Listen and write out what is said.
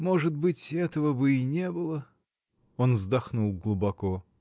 Может быть, этого бы и не было. Он вздохнул глубоко.